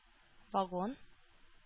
Вагон